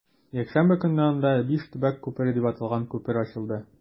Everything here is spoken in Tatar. Якшәмбе көнне анда “Биш төбәк күпере” дип аталган күпер ачылды.